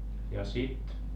ja sitten